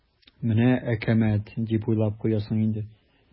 "менә әкәмәт" дип уйлап куясың инде.